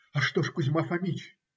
- А что ж Кузьма Фомич?